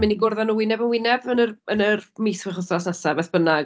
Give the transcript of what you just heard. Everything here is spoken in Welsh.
Mynd i gwrdd â nhw wyneb yn wyneb yn yr yn yr mis, chwech wythnos nesaf, be bynnag.